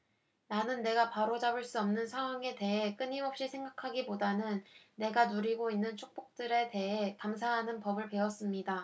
나는 내가 바로잡을 수 없는 상황에 대해 끊임없이 생각하기보다는 내가 누리고 있는 축복들에 대해 감사하는 법을 배웠습니다